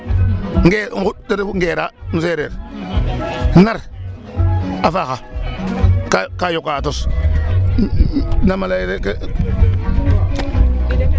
Ngeer e nquƭ ten refu ngeer na sereer nar a faaxa ka yaqaa tos nama layel.